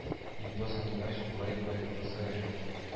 Ник бу сандугач болай кайгылы сайрый